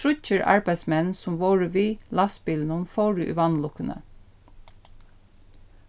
tríggir arbeiðsmenn sum vóru við lastbilinum fóru í vanlukkuni